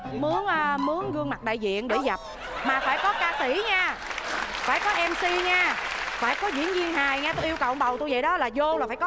mướn a mướn gương mặt đại diện để dập mà phải có ca sĩ nha phải có em xi nha phải có diễn viên hài nha tôi yêu cầu ông bầu tôi vậy đó là dô là phải có